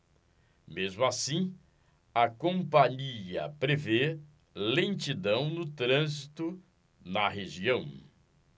mesmo assim a companhia prevê lentidão no trânsito na região